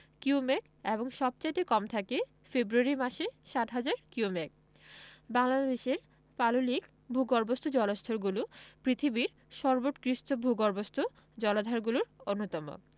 cumec এবং সবচাইতে কম থাকে ফেব্রুয়ারি মাসে ৭হাজার কিউমেক বাংলাদেশের পাললিক ভূগর্ভস্থ জলস্তরগুলো পৃথিবীর সর্বোৎকৃষ্ট ভূগর্ভস্থ জলাধারগুলোর অন্যতম